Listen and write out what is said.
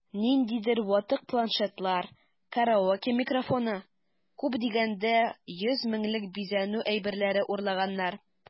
Ниндидер ватык планшетлар, караоке микрофоны(!), күп дигәндә 100 меңлек бизәнү әйберләре урлаганнар...